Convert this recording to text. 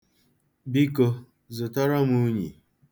Biko, zụtara m unyi.